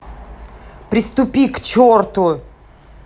приступи к черту